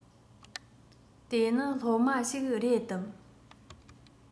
དེ ནི སློབ མ ཞིག རེད དམ